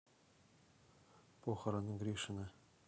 похороны гришина